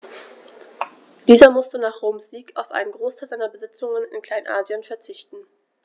Dieser musste nach Roms Sieg auf einen Großteil seiner Besitzungen in Kleinasien verzichten.